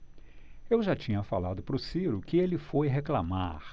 eu já tinha falado pro ciro que ele foi reclamar